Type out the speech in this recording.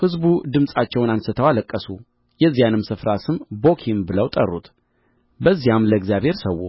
ሕዝቡ ድምፃቸውን አንሥተው አለቀሱ የዚያንም ስፍራ ስም ቦኪም ብለው ጠሩት በዚያም ለእግዚአብሔር ሠዉ